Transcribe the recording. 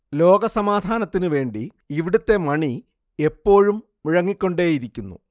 ലോക സമാധാനത്തിനു വേണ്ടി ഇവിടുത്തെ മണി എപ്പോഴും മുഴങ്ങിക്കൊണ്ടേയിരിക്കുന്നു